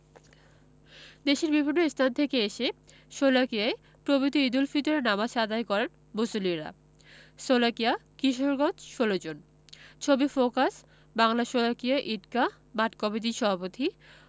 দেশের বিভিন্ন স্থান থেকে এসে শোলাকিয়ায় পবিত্র ঈদুল ফিতরের নামাজ আদায় করেন মুসল্লিরা শোলাকিয়া কিশোরগঞ্জ ১৬ জুন ছবি ফোকাস বাংলা শোলাকিয়া ঈদগাহ মাঠ কমিটির সভাপতি